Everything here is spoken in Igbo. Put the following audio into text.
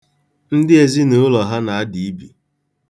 Ndị ezinụlọ ha na-ada ibi.